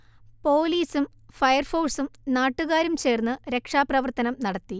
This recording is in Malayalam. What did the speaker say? പോലീസും ഫയർഫോഴ്സും നാട്ടുകാരും ചേർന്ന് രക്ഷാപ്രവർത്തനം നടത്തി